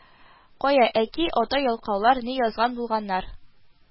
Кая, әки, ата ялкаулар ни язган булганнар